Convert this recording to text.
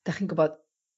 ...'dach chi'n gwbod